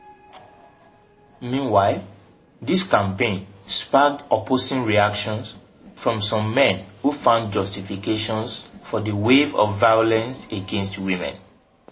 Meanwhile, this campaign sparked opposing reactions from some men who found justifications for the wave of violence against women.